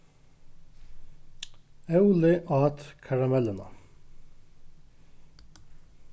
óli át karamelluna